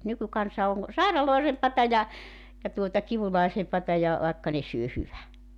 nykykansa on sairaalloisempaa ja ja tuota kivuliaisempaa ja vaikka ne syö hyvän